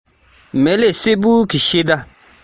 ཞི མིའི བཟའ བྱ མིན པ ཤེས སོང